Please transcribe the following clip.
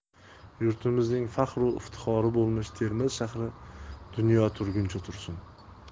yurtimizning faxru iftixori bo'lmish termiz shahri dunyo turguncha tursin